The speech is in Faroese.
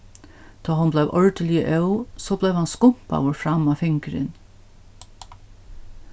tá hon bleiv ordiliga óð so bleiv hann skumpaður fram á fingurin